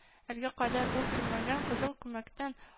Әлгә кадәр ул күрмәгән, кызыл күмәктән